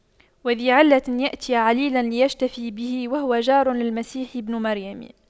وذى علة يأتي عليلا ليشتفي به وهو جار للمسيح بن مريم